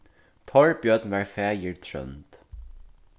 torbjørn var faðir trónd